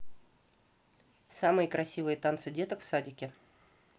самые красивые танцы деток в садике